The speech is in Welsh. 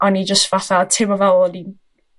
o'n i jyst fatha teimlo fel o'n i'n...